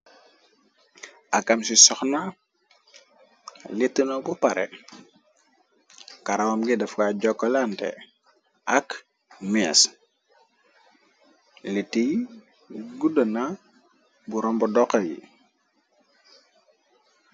Akam si soxna letou na ba pareh karawam ngi dafkaay jokkalante ak mees leta ye guddana ba romba doxe yi.